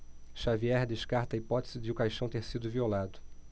xavier descarta a hipótese de o caixão ter sido violado